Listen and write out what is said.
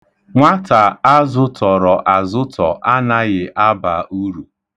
Nwata a zụtọrọ azụtọ anaghị aba uru.